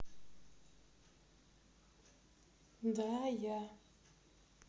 да я